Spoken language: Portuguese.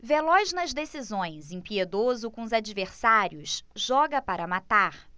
veloz nas decisões impiedoso com os adversários joga para matar